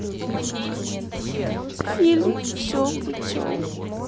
фильм все путем